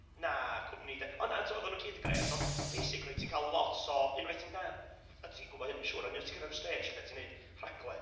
Na, cwmni de, ond na, tibod oedden nhw i gyd yn gret, ond basically, ti'n cael lot o, unwaith ti'n da-... a ti'n gwybod hyn ma' siŵr ond unwaith ti'n cyrraedd y stêj lle ti'n wneud rhaglen,